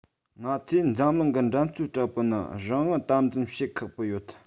ང ཚོས འཛམ གླིང གི འགྲན རྩོད དྲག པོའི ནང རང དབང དམ འཛིན བྱེད ཁག པོ ཡོད